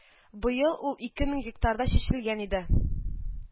Быел ул ике мең гектарда чәчелгән иде